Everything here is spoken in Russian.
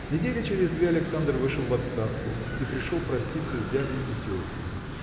Недели через две Александр вышел в отставку и пришел проститься с дядей и теткой.